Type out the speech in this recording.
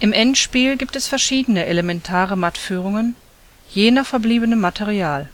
Endspiel gibt es verschiedene elementare Mattführungen, je nach verbliebenem Material